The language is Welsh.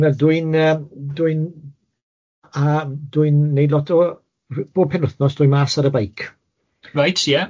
Na dwi'n yy dwi'n yy dwi'n wneud lot o bob penwthnos dwi mas ar y beic... Reit ie.